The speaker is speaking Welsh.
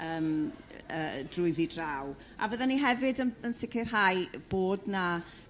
Yrm yrr drwyddi draw. A fyddwn i hefyd yn yn sicirhau bod 'na